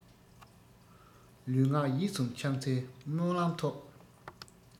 ལུས ངག ཡིད གསུམ ཕྱག འཚལ སྨོན ལམ ཐོབ